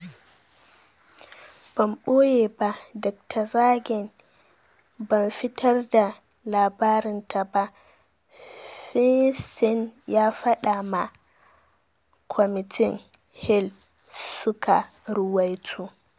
“Ban boye ba Dr. Zargin, ban fitar da labarinta ba,” Feinstein ya fada ma kwamitin, Hill suka ruwaito.